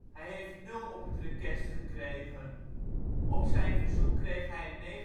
heeft nul op het rekest gekregen - op zijn verzoek kreeg hij een